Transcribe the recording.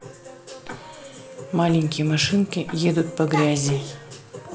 маленькие машинки едут по грязи